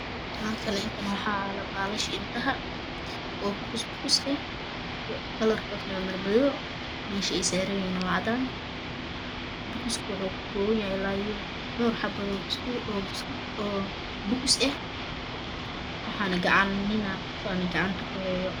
Halkan waxaa yalo balasha idhah oo bukus ah kalr kode waa madow mesh eey saranyin cadan